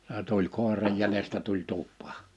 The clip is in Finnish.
se tuli koiran jäljestä tuli tupaan